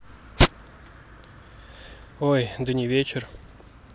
ой да не вечер